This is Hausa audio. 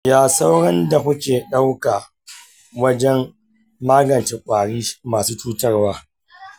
ya saurin da kuke ɗauka wajen magance ƙwari masu cutarwa?